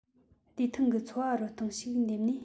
བདེ ཐང གི འཚོ བ རོལ སྟངས ཞིག འདེམས ནས